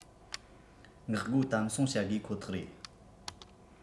འགག སྒོ དམ སྲུང བྱ དགོས ཁོ ཐག རེད